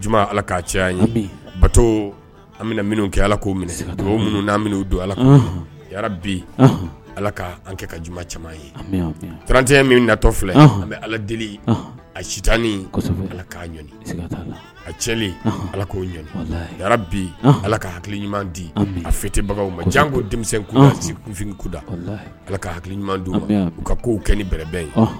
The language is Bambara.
juma ala ka cɛ ye bato an bɛna minnu kɛ ala k' minnu' u don ala bi ala ka an kɛ ka juma caman ye tranteya min natɔ filɛ an bɛ ala deli a sitaani ala k' ɲ a cɛlen ala k'o ɲ bi ala ka hakili ɲuman di a fitiribagaw ma diɲɛ ko denmisɛnnin denmisɛn kun kunfinkuda ala ka hakili ɲuman di u ka ko kɛ ni bɛrɛbɛn ye